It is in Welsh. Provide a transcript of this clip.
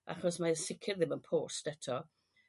achos mae o sicir ddim yn post eto.